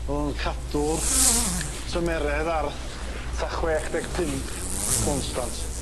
o' nw'n cadw'r tymeredd ar ta chwech deg pump constant.